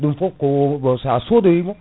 ɗum foof ko sa sodoyimo